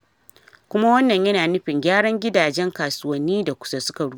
Kuma wannan yana nufin gyaran gidajen kasuwannin da suka rushe.